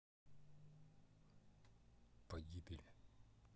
погибель